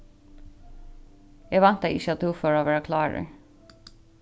eg væntaði ikki at tú fór at vera klárur